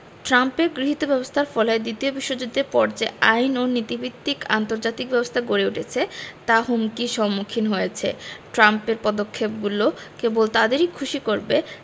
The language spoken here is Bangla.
ট্রাম্পের গৃহীত ব্যবস্থার ফলে দ্বিতীয় বিশ্বযুদ্ধের পর যে আইন ও নীতিভিত্তিক আন্তর্জাতিক ব্যবস্থা গড়ে উঠেছে তা হুমকির সম্মুখীন হয়েছে ট্রাম্পের পদক্ষেপগুলো কেবল তাদেরই খুশি করবে